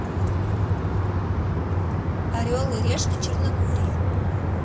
орел и решка черногория